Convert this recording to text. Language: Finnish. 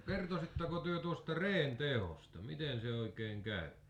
no kertoisitteko te tuosta reen teosta miten se oikein käy